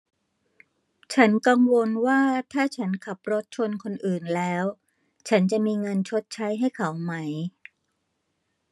ฉันกังวลว่าถ้าฉันขับรถชนคนอื่นแล้วฉันจะมีเงินชดใช้ให้เขาไหม